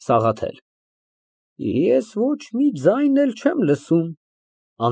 ՍԱՂԱԹԵԼ ֊ Ես ոչինչ չեմ լսում։